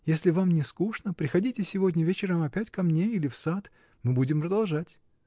Если вам не скучно, приходите сегодня вечером опять ко мне или в сад: мы будем продолжать.